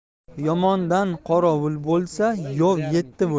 yomondan qorovul bo'lsa yov yetti bo'lar